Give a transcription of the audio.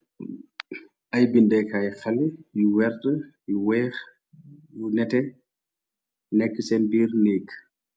Ay bindekaay xale yu werta yu weex yu nete nekk seen biir nékk.